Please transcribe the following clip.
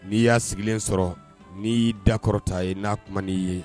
N'i y'a sigilen sɔrɔ n'i y'i da kɔrɔta ye n'a kuma'i ye